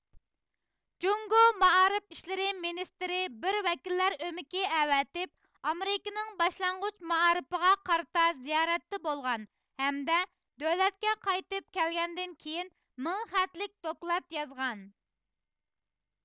جۇڭگۇ مائارىپ ئىشلىرى مىنىستىرى بىر ۋەكىللەر ئۆمىكى ئەۋەتىپ ئامېرىكىنىڭ باشلانغۇچ مائارىپىغا قارىتا زىيارەتتە بولغان ھەمدە دۆلەتكە قايتىپ كەلگەندىن كېيىن مىڭ خەتلىك دوكلات يازغان